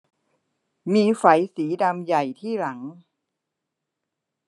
มีไฝสีดำใหญ่ที่หลัง